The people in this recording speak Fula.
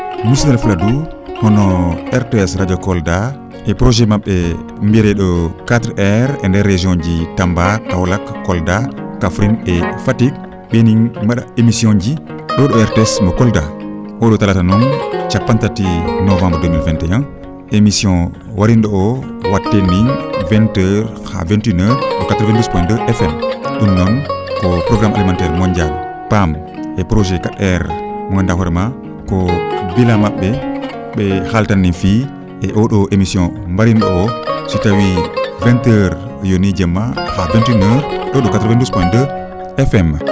musidal fuladuu hono RTS radio kolda e projet ma??e mbiyeree?o 4R e ndeer région ji Tamba Kaolack Kolda Kafrine et Fatick ?eenin mba?a emission ji ?oo ?o RTS mbo Kolda oo ?oo talaata noon cappantati novembre 2021 emission warindo oo mba?eten nin 20 heures haa 21 heurs ?o 92 POINT 2 FM ?um noon ko programme alimentaire mondial PAM e projet 4R mbo nganndu?aa hoore maa ko bilan ma??e ?e kaalta nin fii e oo ?oo emission mbarindo oo so tawii 20 heures yonii jemma haa 21 heures ?oo ?o 92 POINT 2 FM